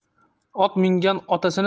ot mingan otasini